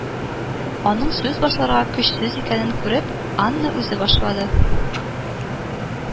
Аның сүз башларга көчсез икәнен күреп, Анна үзе башлады